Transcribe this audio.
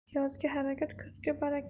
yozgi harakat kuzgi barakat